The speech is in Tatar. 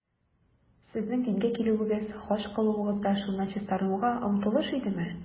Сезнең дингә килүегез, хаҗ кылуыгыз да шуннан чистарынуга омтылыш идеме?